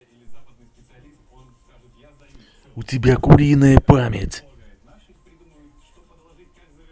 у тебя куриная память